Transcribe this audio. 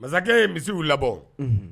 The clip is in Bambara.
Masakɛ ye misiw labɔ